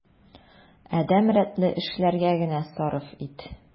Адәм рәтле эшләргә генә сарыф ит.